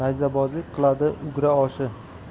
nayzabozlik qiladi ugra oshi